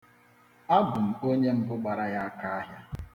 Abụ m onye mbụ gbara ya akaahịa.